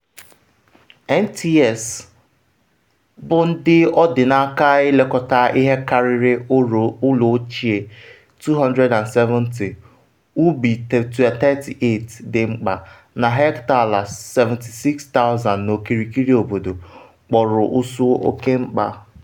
NTS, bụ ndị ọ dị n’aka ilekọta ihe karịrị ụlọ ochie 270, ubi 38 dị mkpa na hectare ala 76,000 n’okirikiri obodo, kpọrọ ụsụ oke mkpa.